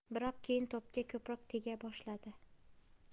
biroq keyn to'pga ko'proq tega boshladi